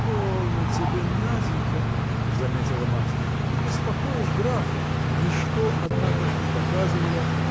– Полно тебе, Наденька, – заметила мать, – ты беспокоишь графа. Ничто однако ж не показывало